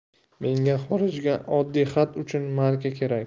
menga xorijga oddiy xat uchun marka kerak